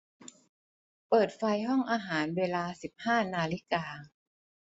เปิดไฟห้องอาหารเวลาสิบห้านาฬิกา